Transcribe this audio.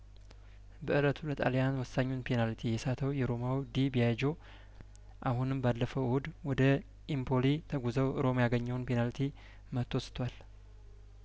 በእለቱ ለጣልያን ወሳኙን ፔናልቲ የሳተው የሮማው ዲ ቢያጆ አሁንም ባለፈው እሁድ ወደ ኢምፖሊ ተጉዘው ሮማ ያገኘውን ፔናልቲ መትቶ ስቷል